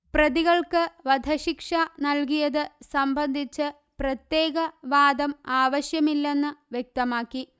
പ്രതികൾക്ക് വധശിക്ഷ നല്കിയത് സംബന്ധിച്ച് പ്രത്യേകവാദം ആവശ്യമില്ലെന്ന് വ്യക്തമാക്കി